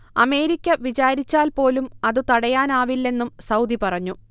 America വിചാരിച്ചാൽ പോലും അതു തടയാനാവില്ലെന്നും സൗദി പറഞ്ഞു